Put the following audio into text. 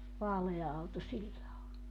vaalea auto sillä on